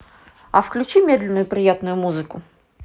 а включи медленную приятную музыку